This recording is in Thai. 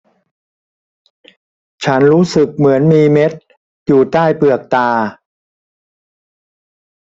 ฉันรู้สึกเหมือนมีเม็ดอยู่ใต้เปลือกตา